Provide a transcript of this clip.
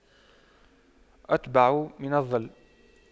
أتبع من الظل